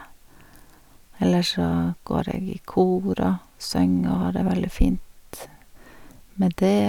Ellers så går jeg i kor og synger og har det veldig fint med det.